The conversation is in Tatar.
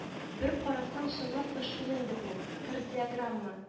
— бер карасаң, чынлап та шул инде бу, кардиограмма